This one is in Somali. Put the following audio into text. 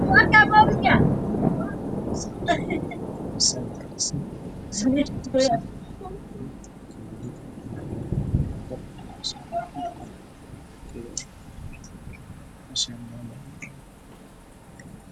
Waa meel wado banaan. Geedo ayaa kuyaalo